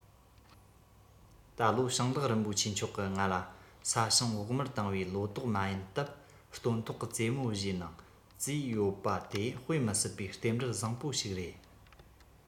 ད ལོ ཞིང བདག རིན པོ ཆེ མཆོག གི ང ལ ས ཞིང བོགས མར བཏང བའི ལོ ཏོག མ ཡིན སྟབས སྟོན ཐོག གི ཙེ མོ བཞེས གནང ཙིས ཡོད པ དེ དཔེ མི སྲིད པའི རྟེན འབྲེལ བཟང པོ ཞིག རེད